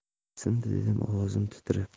sindi dedim ovozim titrab